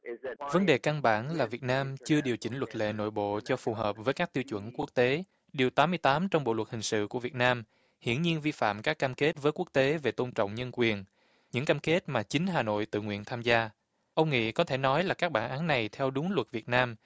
vấn đề căn bản là việt nam chưa điều chỉnh luật lệ nội bộ cho phù hợp với các tiêu chuẩn quốc tế điều tám mươi tám trong bộ luật hình sự của việt nam hiển nhiên vi phạm các cam kết với quốc tế về tôn trọng nhân quyền những cam kết mà chính hà nội tự nguyện tham gia ông nghĩ có thể nói là các bản án này theo đúng luật việt nam